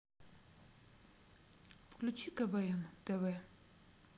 включи квн тв